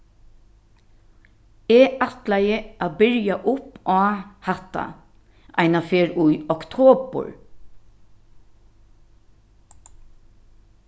eg ætlaði at byrja upp á hatta einaferð í oktobur